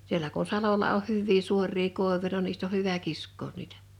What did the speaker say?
siellä kun salolla on hyviä suoria koivuja no niistä on hyvä kiskoa niitä